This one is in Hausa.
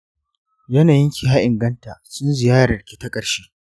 yanayinki ya inganta tun ziyararki ta ƙarshe.